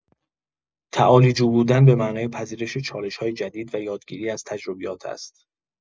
تعالی‌جو بودن به معنای پذیرش چالش‌های جدید و یادگیری از تجربیات است.